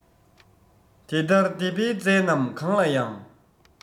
དེ ལྟར བདེ འཕེལ རྫས རྣམས གང ལ ཡང